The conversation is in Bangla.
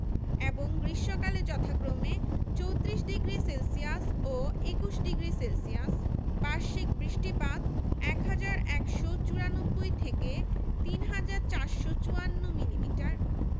এবং গ্রীষ্মকালে যথাক্রমে ৩৪ডিগ্রি সেলসিয়াস ও ২১ডিগ্রি সেলসিয়াস বার্ষিক বৃষ্টিপাত ১হাজার ১৯৪ থেকে ৩হাজার ৪৫৪ মিলিমিটার